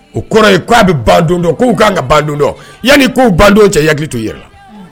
O kɔrɔ yen k'a bɛ ban k' k kan ka ban yanani k'u ban don cɛ yaki to u jira la